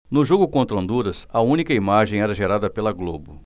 no jogo contra honduras a única imagem era gerada pela globo